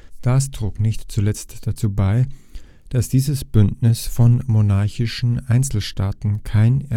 forderten den Nationalstaat, statt ein Bündnis von monarchischen Einzelstaaten. Die